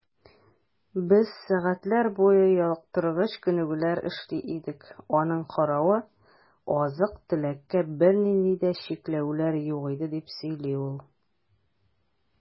Без сәгатьләр буе ялыктыргыч күнегүләр эшли идек, аның каравы, азык-төлеккә бернинди дә чикләүләр юк иде, - дип сөйли ул.